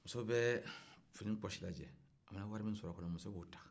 muso bɛ fini pɔsi lajɛ a mana wari min sɔrɔ a kɔnɔ muso b'o ta